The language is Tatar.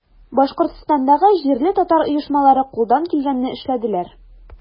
Башкортстандагы җирле татар оешмалары кулдан килгәнне эшләделәр.